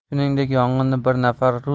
shuningdek yong'inda bir nafar